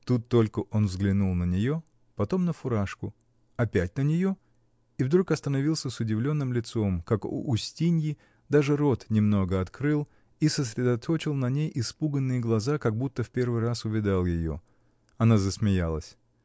Тут только он взглянул на нее, потом на фуражку, опять на нее и вдруг остановился с удивленным лицом, как у Устиньи, даже рот немного открыл и сосредоточил на ней испуганные глаза, как будто в первый раз увидал ее. Она засмеялась.